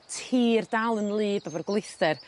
tir dal yn wlyb efo'r gwlithder